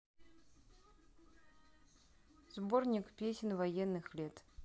сборник песни военных лет